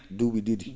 du?i ?i?i